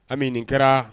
Min kɛra